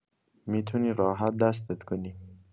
می‌تونی راحت دستت کنی.